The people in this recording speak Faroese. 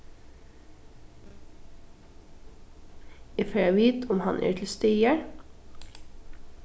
eg fari at vita um hann er til staðar